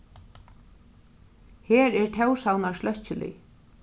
her er tórshavnar sløkkilið